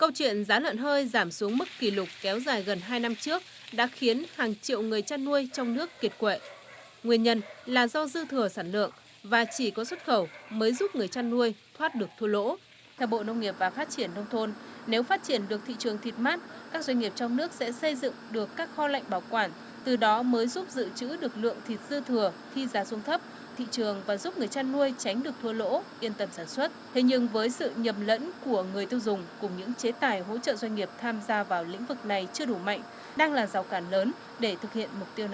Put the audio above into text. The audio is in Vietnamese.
câu chuyện giá lợn hơi giảm xuống mức kỷ lục kéo dài gần hai năm trước đã khiến hàng triệu người chăn nuôi trong nước kiệt quệ nguyên nhân là do dư thừa sản lượng và chỉ có xuất khẩu mới giúp người chăn nuôi thoát được thua lỗ theo bộ nông nghiệp và phát triển nông thôn nếu phát triển được thị trường thịt mắt các doanh nghiệp trong nước sẽ xây dựng được các kho lạnh bảo quản từ đó mới giúp dự trữ được lượng thịt dư thừa khi giá xuống thấp thị trường và giúp người chăn nuôi tránh được thua lỗ yên tâm sản xuất thế nhưng với sự nhầm lẫn của người tiêu dùng cùng những chế tài hỗ trợ doanh nghiệp tham gia vào lĩnh vực này chưa đủ mạnh đang là rào cản lớn để thực hiện mục tiêu này